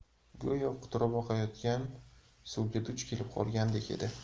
go'yo quturib oqayotgan suvga duch kelib qolgandek edi